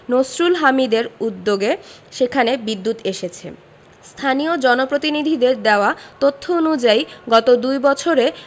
নসরুল হামিদদের উদ্যোগে সেখানে বিদ্যুৎ এসেছে স্থানীয় জনপ্রতিনিধিদের দেওয়া তথ্য অনুযায়ী গত দুই বছরে